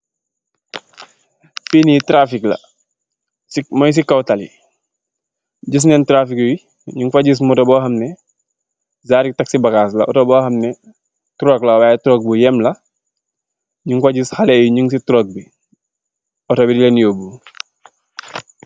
Fii nee traffic la mung si kaw tali giss nene traffic bi nyu fa gis moto bu hamnex saari taxi bagass la auto bo hamnex truck la y truck bo yeem la nyun fa giss xale nyung si truck bi auto bi dilen yobu.